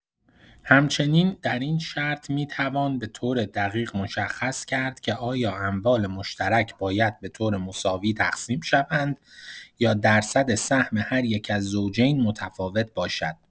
همچنین، در این شرط می‌توان به‌طور دقیق مشخص کرد که آیا اموال مشترک باید به‌طور مساوی تقسیم شوند یا درصد سهم هر یک از زوجین متفاوت باشد.